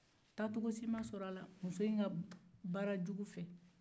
taa cogo si ma sɔrɔ a la muso in ka baarajugufɛ